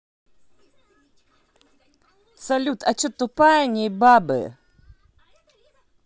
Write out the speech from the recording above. салют а че тупая ней бабы